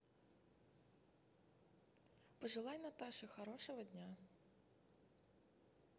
пожелай наташи хорошего дня